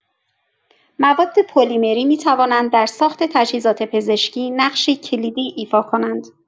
مواد پلیمری می‌توانند در ساخت تجهیزات پزشکی نقشی کلیدی ایفا کنند.